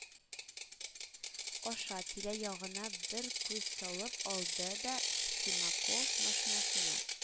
Аша тирә-ягына бер күз салып алды да симаков машинасына